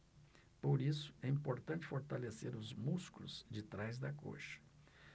por isso é importante fortalecer os músculos de trás da coxa